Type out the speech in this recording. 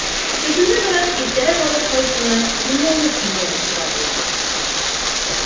Көтүне бераз иртәрәк алып кайтуны инәлеп-инәлеп сорадылар.